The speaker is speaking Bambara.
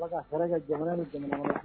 Ala ka hɛrɛ kɛ jamana ni jamanakɔnɔ